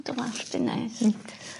Dy wallt di'n neis. Hmm.